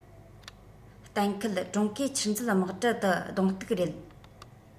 གཏན འཁེལ ཀྲུང གོའི ཆུར འཛུལ དམག གྲུ ཏུ གདོང གཏུག རེད